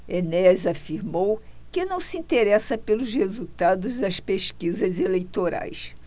enéas afirmou que não se interessa pelos resultados das pesquisas eleitorais